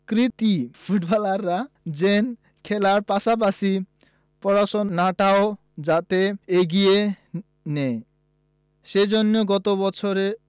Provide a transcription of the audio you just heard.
কৃতী ফুটবলাররা যেন খেলার পাশাপাশি পড়াশোনাটাও যাতে এগিয়ে নেয় সে জন্য গত বছর